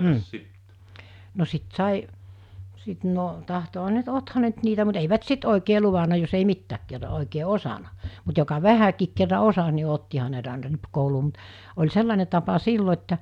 mm no sitten sai sitten no tahtoihan ne nyt ottihan ne nyt niitä mutta eivät sitten oikein luvannut jos ei mitään kerran oikein osannut mutta joka vähänkin kerran osasi niin ottihan ne nyt aina rippikouluun mutta oli sellainen tapa silloin että